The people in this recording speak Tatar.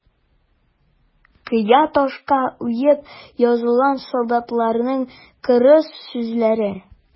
Кыя ташка уеп язылган солдатларның кырыс сүзләре.